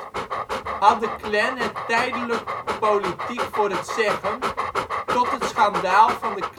had de Klan het tijdelijk politiek voor het zeggen tot het schandaal van de